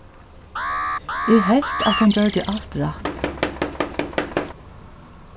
eg helt at hon gjørdi alt rætt